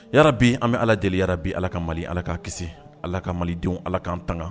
Bi an bɛ ala deli bi ala ka mali ala ka kisi ala ka mali denw ala kanan tanga